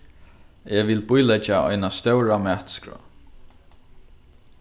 eg vil bíleggja eina stóra matskrá